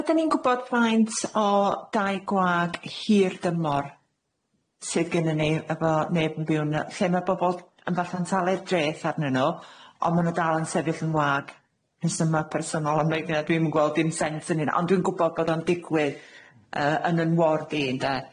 Yym ydyn ni'n gwbod faint o dai gwag hir dymor sydd gynno ni efo neb yn byw yna lle ma' bobol yn fatha'n talu'r dreth arnyn nw on' ma' nw dal yn sefyll yn wag rhesyma personol a rei na dwi'm yn gweld dim sens ynnyn- ond dwi'n gwbod bod o'n digwydd yy yn yn word i ynde?